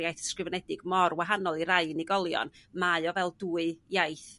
iaith ysgrifnedig mor wahanol i rai unigolion mae o fel dwy iaith